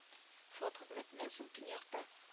Флот хезмәтеннән соң Төньякта